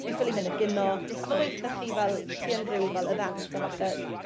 Fi ffili myn y gino. A fel weithe chi fel ti yn ryw fel y ddant a falle